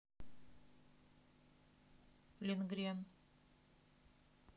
лингрен